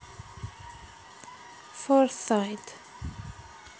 fortnite